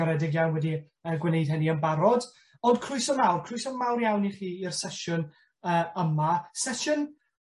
...garedig iawn wedi yy gwneud hynny yn barod. Ond croeso mawr croeso mawr iawn i chi i'r sesiwn yy yma. Sesiwn